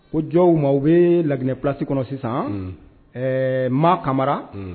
Ko jɔn ma u bɛ laginɛ plasi kɔnɔ sisan maa kamara